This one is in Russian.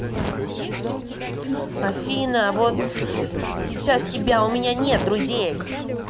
афина а вот сейчас тебя а у меня нет друзей